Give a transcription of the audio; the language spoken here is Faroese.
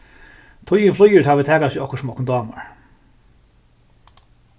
tíðin flýgur tá ið vit takast við okkurt sum okkum dámar